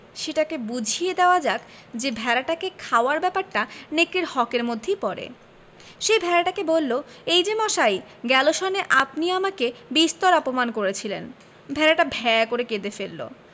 সেটাকে বুঝিয়ে দেওয়া যাক যে ভেড়াটাকে খাওয়ার ব্যাপারটা নেকড়ের হক এর মধ্যেই পড়ে সে ভেড়াটাকে বলল এই যে মশাই গেল সনে আপনি আমাকে বিস্তর অপমান করেছিলেন ভেড়াটা ভ্যাঁ করে কেঁদে ফেলল